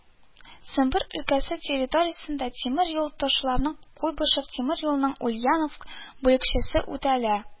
Сембер өлкәсе территориясендә тимер юл ташуларны Куйбышев тимер юлының Ульяновск бүлекчәсе үтәлә